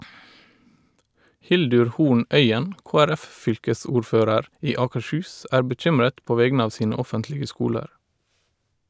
Hildur Horn Øien, KrF-fylkesordfører i Akershus, er bekymret på vegne av sine offentlige skoler.